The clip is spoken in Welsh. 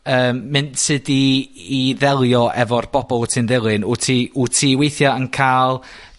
yym mynd... Sud i i ddelio efo'r bobol wyt ti'n ddilyn. Wyt ti, wyt ti weithia' yn ca'l